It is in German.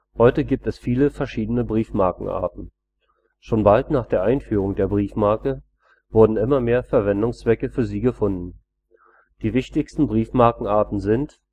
Heute gibt es viele verschiedene Briefmarkenarten. Schon bald nach der Einführung der Briefmarke wurden immer mehr Verwendungszwecke für sie gefunden. Die wichtigsten Briefmarkenarten sind